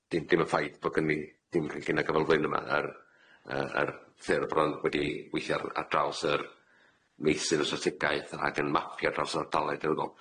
Dim dim y ffaith bo' gynnyn ni dim cynllun ar gyfer yr elfen yma, yr yy yr ffyrdd bron wedi gweithio ar ar draws yr meysydd y strategaeth ag yn mapio ar draws yr ardaloedd daearyddol.